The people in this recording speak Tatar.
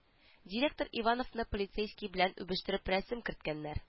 Директор ивановны полицейский белән үбештереп рәсем керткәннәр